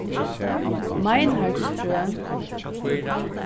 meinhartstrøð